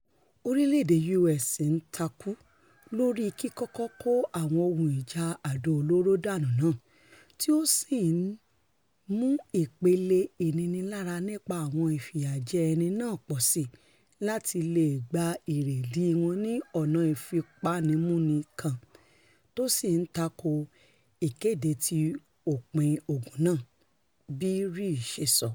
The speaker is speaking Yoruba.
orílẹ̀-èdè U.S. ńtakú lórí ''kíkọ́kọ́ kó àwọn ohun ìjà àdó olóró dànù'' náà tí ó sì ńmu ipele ìninilára nípa àwọn ìfìyàjẹni náà pọ̀síi láti leè gba èrèdí wọn ní ọ̀nà ìfipámúni kan, tósì ńtako ''ìkede ti òpin ogun náà,'''' bii Ri ṣe sọ.